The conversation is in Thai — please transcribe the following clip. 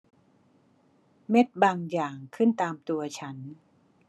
เม็ดบางอย่างขึ้นตามตัวฉัน